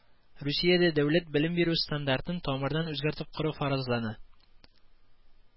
Русиядә дәүләт белем бирү стандартын тамырдан үзгәртеп кору фаразлана